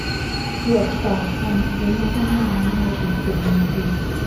ตรวจสอบความชื้นในห้องน้ำในอีกสิบนาที